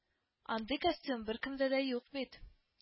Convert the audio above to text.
Андый костюм беркемдә дә юк бит